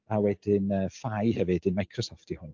A wedyn yy Phi hefyd un Microsoft 'di hwn.